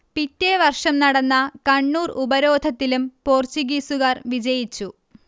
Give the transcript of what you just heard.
പിറ്റെ വർഷം നടന്ന കണ്ണൂർ ഉപരോധത്തിലും പോർച്ചുഗീസുകാർ വിജയിച്ചു